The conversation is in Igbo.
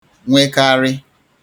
nwekarị